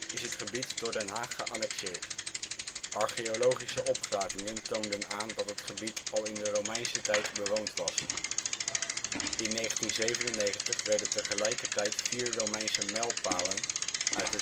is het gebied door Den Haag geannexeerd. Archeologische opgravingen toonden aan dat het gebied al in de Romeinse tijd bewoond was. In 1997 werden tegelijkertijd vier Romeinse mijlpalen uit